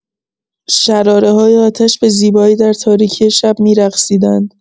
شراره‌های آتش به زیبایی در تاریکی شب می‌رقصیدند.